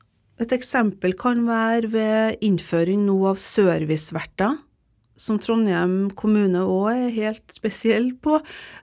et eksempel kan være ved innføring nå av serviceverter som Trondheim kommune òg er helt spesielle på.